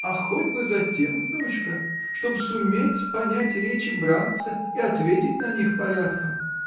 — А хоть бы затем, внучка, чтоб суметь понять речи братца и ответить на них порядком.